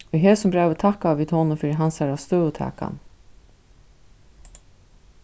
í hesum brævi takkaðu vit honum fyri hansara støðutakan